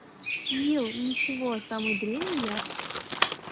will ничего самый длинный ярд